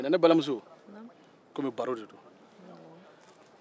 ne balimamuso komi baro de don